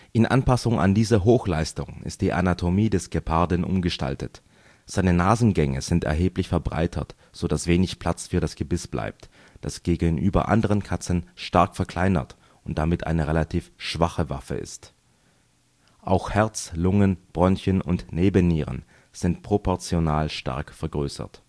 In Anpassung an diese Hochleistung ist die Anatomie des Geparden umgestaltet: Seine Nasengänge sind erheblich verbreitert, so dass wenig Platz für das Gebiss bleibt, das gegenüber anderen Katzen stark verkleinert und damit eine relativ schwache Waffe ist. Auch Herz, Lungen, Bronchien und Nebennieren sind proportional stark vergrößert